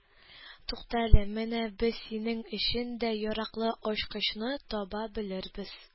Туктале, менә без синең өчен дә яраклы ачкычны таба белербез